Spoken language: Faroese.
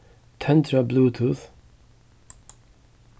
tendra bluetooth